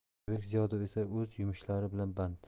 jo'rabek ziyodov esa o'z yumushlari bilan band